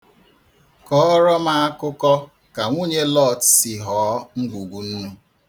Kọọrọ m akụkọ ka nwunye Lọt si họọ ngwungwu nnu.